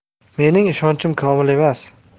mening ishonchim komil emas